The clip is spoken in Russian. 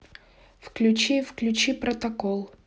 включи включи протокол